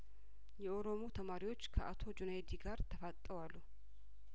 የኦሮሞ ተማሪዎች ከአቶ ጁኔይዲ ጋር ተፋጠው ዋሉ